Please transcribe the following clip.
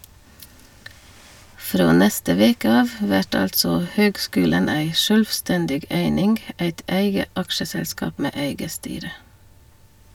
Frå neste veke av vert altså høgskulen ei sjølvstendig eining, eit eige aksjeselskap med eige styre.